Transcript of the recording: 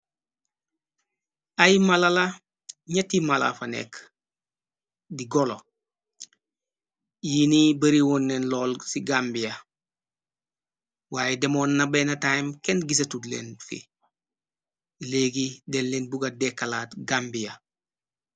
Ay malala ñetti mala fa nekk di golo yi ni bari woon neen lool ci gambia. Waaye demoon nabay na taym kenn gisa tud leen fi. Léegi denn leen bugat dekkalaat gambia.